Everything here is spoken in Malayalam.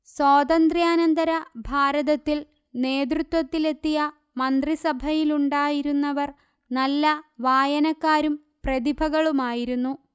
സ്വാതന്ത്ര്യാനന്തര ഭാരതത്തിൽ നേതൃത്വത്തിലെത്തിയ മന്ത്രിസഭയിലുണ്ടായിരുന്നവർ നല്ല വായനക്കാരും പ്രതിഭകളുമായിരുന്നു